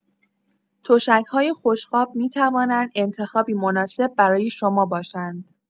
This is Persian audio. تشک‌های خوشخواب می‌توانند انتخابی مناسب برای شما باشند.